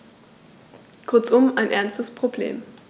Kurzum, ein ernstes Problem.